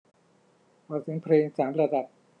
เบาเสียงเพลงสามระดับ